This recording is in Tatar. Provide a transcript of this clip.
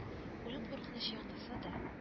Үлем куркынычы янаса да